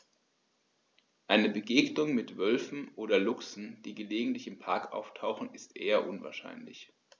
Eine Begegnung mit Wölfen oder Luchsen, die gelegentlich im Park auftauchen, ist eher unwahrscheinlich.